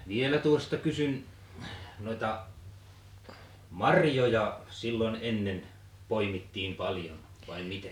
vielä tuosta kysyn noita marjoja silloin ennen poimittiin paljon vai miten